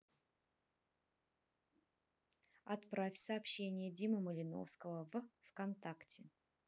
отправь сообщение димы малиновского в вконтакте